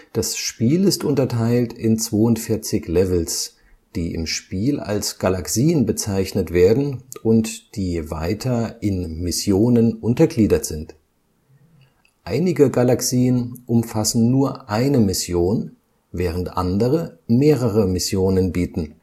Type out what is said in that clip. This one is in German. Das Spiel ist unterteilt in 42 Levels, die im Spiel als Galaxien bezeichnet werden und die weiter in Missionen untergliedert sind. Einige Galaxien umfassen nur eine Mission, während andere mehrere Missionen bieten